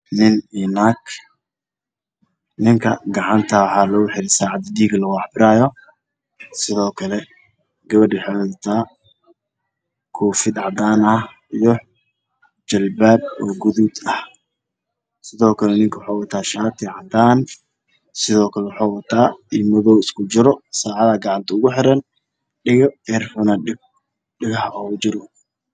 Nin iyo naag ninka dhiiga laga cabirayaa